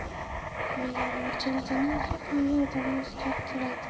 mulla anvarjon zamon har qanday odamni o'zgartiradi